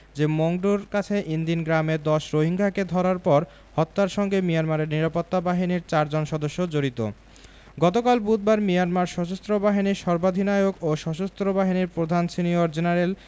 যে মংডুর কাছে ইনদিন গ্রামে ১০ রোহিঙ্গাকে ধরার পর হত্যার সঙ্গে মিয়ানমারের নিরাপত্তা বাহিনীর চারজন সদস্য জড়িত গতকাল বুধবার মিয়ানমার সশস্ত্র বাহিনীর সর্বাধিনায়ক ও সশস্ত্র বাহিনীর প্রধান সিনিয়র জেনারেল